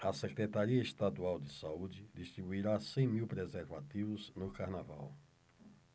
a secretaria estadual de saúde distribuirá cem mil preservativos no carnaval